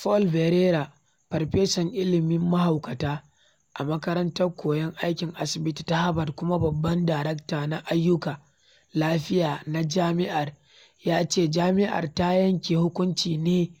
Paul Barreira, farfesan ilmin mahaukata a Makarantar Koyon Aikin Asibiti ta Harvard kuma babban darakta na ayyukan lafiya na jami’ar, ya ce jami’ar ta yanke hukunci ne